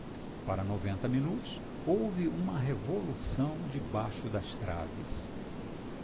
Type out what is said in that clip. para noventa minutos houve uma revolução debaixo das traves